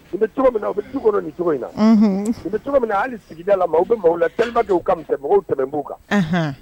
U bɛcogo min na u bɛ dun kɔnɔ nin de la, unhun, u bɛ cogo min na hali sigida la maaw bɛ maaw la tellementque u ka misɛn, mɔgɔw tɛmɛ b'u kan.